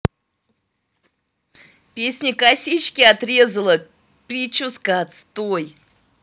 песня косички отрезала прическа отстой